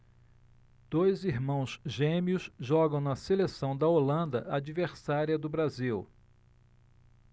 dois irmãos gêmeos jogam na seleção da holanda adversária do brasil